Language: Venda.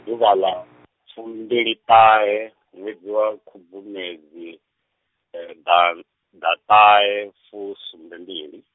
ḓuvha ḽa, fumbiliṱahe ṅwedzi wa Khubvumedzi, da- ḓaṱahefusumbembili.